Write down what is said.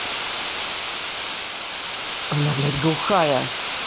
она блядь глухая